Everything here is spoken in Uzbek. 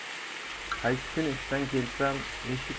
qaysi kuni ishdan kelsam eshik